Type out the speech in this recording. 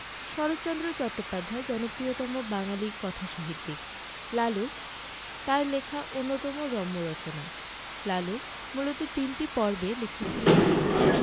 শরৎচন্দ্র চট্টোপাধ্যায় জনপ্রিয়তম বাঙালি কথাসাহিত্যিক লালু তার লেখা অন্যতম রম্য রচনা লালু মূলত তিনটি পর্বে লিখেছিলেন তিনি